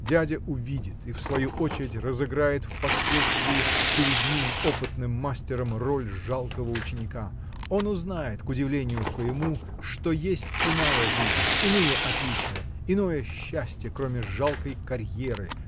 Дядя увидит и в свою очередь разыграет впоследствии перед ним опытным мастером роль жалкого ученика он узнает к удивлению своему что есть иная жизнь иные отличия иное счастье кроме жалкой карьеры